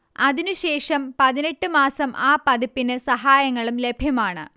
അതിനു ശേഷം പതിനെട്ട് മാസം ആ പതിപ്പിന് സഹായങ്ങളും ലഭ്യമാണ്